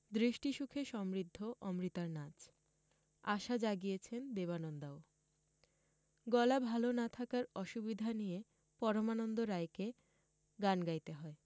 দৃষ্টিসুখে সমৃদ্ধ অমৃতার নাচ আশা জাগিয়েছেন দেবানন্দাও গলা ভাল না থাকার অসুবিধা নিয়ে পরমানন্দ রায়কে গান গাইতে হয়